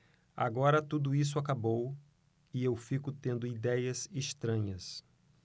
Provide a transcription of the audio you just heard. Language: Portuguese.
agora tudo isso acabou e eu fico tendo idéias estranhas